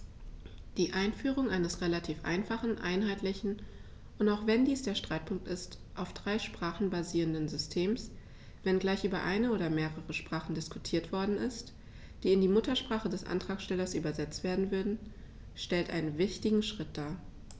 Die Einführung eines relativ einfachen, einheitlichen und - auch wenn dies der Streitpunkt ist - auf drei Sprachen basierenden Systems, wenngleich über eine oder mehrere Sprachen diskutiert worden ist, die in die Muttersprache des Antragstellers übersetzt werden würden, stellt einen wichtigen Schritt dar.